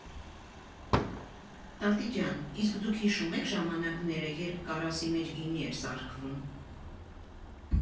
Տատի ջան, իսկ դուք հիշո՞ւմ եք ժամանակները, երբ կարասի մեջ գինի էր սարքվում։